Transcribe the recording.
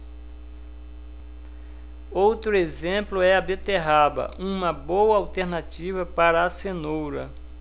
outro exemplo é a beterraba uma boa alternativa para a cenoura